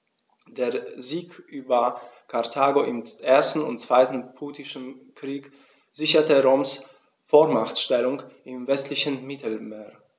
Der Sieg über Karthago im 1. und 2. Punischen Krieg sicherte Roms Vormachtstellung im westlichen Mittelmeer.